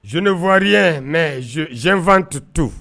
Zefɔwaɔri ye mɛ zfan tu tu